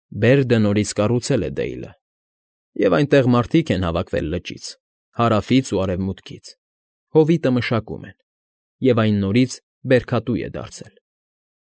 Բերդը նորից կառուցել է Դեյլը, և այնտեղ մարդիկ են հավաքվել լճից, հարավից ու արևմուտքից, հովիտը մշակում են, և այն նորից բերքատու է դարձել։